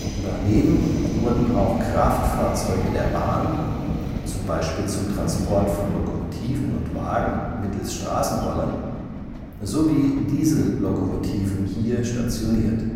Daneben wurden auch Kraftfahrzeuge der Bahn (zum Beispiel zum Transport von Lokomotiven und Wagen mittels Straßenrollern) sowie Diesellokomotiven hier stationiert